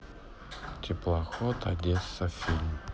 теплоход одесса фильм